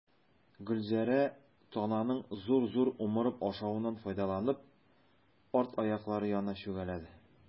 Гөлзәрә, тананың зур-зур умырып ашавыннан файдаланып, арт аяклары янына чүгәләде.